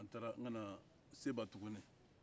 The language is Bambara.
an taara n ka na seba tugunni